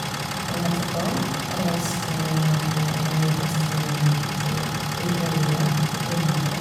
Men etterpå reiste jeg og bestevenninna mi til Ukraina, til Krimhalvøya.